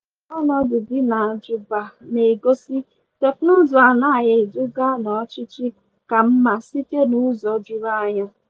Mana, dịka ọnọdụ dị na Juba na-egosi, teknụzụ anaghị eduga n'ọchịchị ka mma site n'ụzọ juru anya.